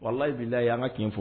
Walayi bilayi an ka tiɲɛ fɔ